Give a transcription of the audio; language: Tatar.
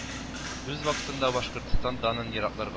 Үз вакытында Башкортстан данын еракларга